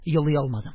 Елый алмадым,